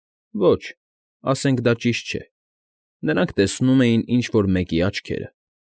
Ոչ, ասենք դա ճիշտ չէ։ Նրանք տեսնում էին ինչ֊որ մեկի աչքերը։